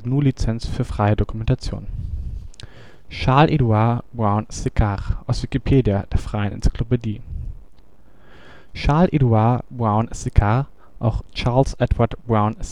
GNU Lizenz für freie Dokumentation. Charles-Édouard Brown-Séquard Charles-Édouard Brown-Séquard, auch Charles Edward Brown-Séquard